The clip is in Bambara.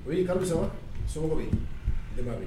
oui karimu sava somɔgɔw bɛ di, denbaya dun ?